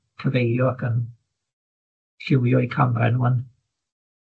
cyfeirio ac yn lliwio 'u camre nw yn...